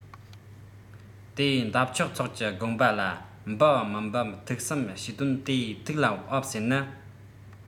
དེ འདབ ཆགས ཚོགས ཀྱི དགོངས པ ལ འབབ བམ མི འབབ ཐུགས བསམ བཞེས དོན དེ ཐུགས ལ བབས ཟེར ན